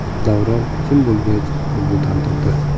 davron jim bo'lgach o'rnidan turdi